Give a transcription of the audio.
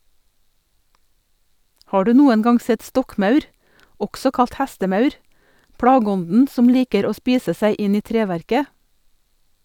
Har du noen gang sett stokkmaur, også kalt hestemaur, plageånden som liker å spise seg inn i treverket?